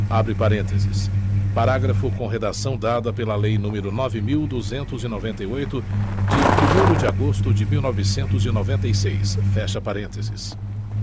abre parênteses parágrafo com redação dada pela lei número nove mil duzentos e noventa e oito de primeiro de agosto de mil novecentos e noventa e seis fecha parênteses